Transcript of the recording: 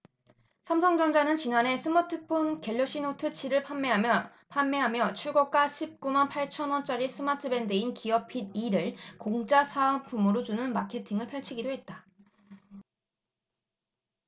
삼성전자는 지난해 스마트폰 갤럭시노트 칠 을 판매하며 출고가 십 구 만 팔천 원짜리 스마트밴드인 기어핏 이 를 공짜 사은품으로 주는 마케팅을 펼치기도 했다